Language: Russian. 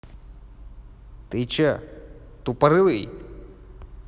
ты че тупорылый